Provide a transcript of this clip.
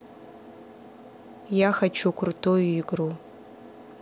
я хочу крутую игру